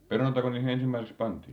perunoitako niihin ensimmäiseksi pantiin